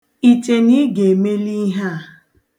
Iche na ị ga-emeli ihe a?